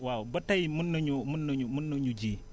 waaw ba tey mën nañu mën nañu mën nañu ji